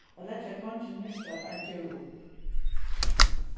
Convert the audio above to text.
at leggja kongin merkir at ein gevur upp